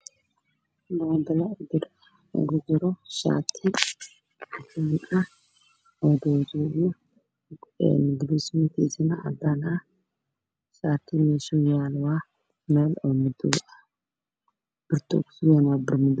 Waa shaata cad oo leh barbara madow ah